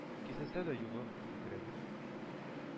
Киселсә дә юлым; күкрәгем